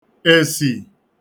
èsì